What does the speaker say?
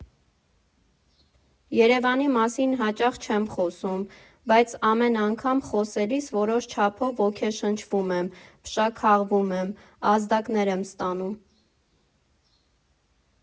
Երևանի մասին հաճախ չեմ խոսում, բայց ամեն անգամ խոսելիս որոշ չափով ոգեշնչվում եմ, փշաքաղվում եմ, ազդակներ եմ ստանում։